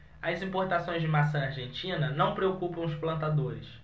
as importações de maçã argentina não preocupam os plantadores